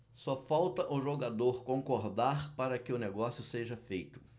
só falta o jogador concordar para que o negócio seja feito